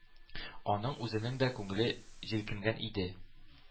Аның үзенең дә күңеле җилкенгән иде;